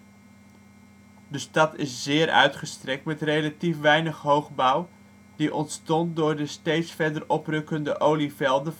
De stad is zeer uitgestrekt met relatief weinig hoogbouw die ontstond door de steeds verder oprukkende olievelden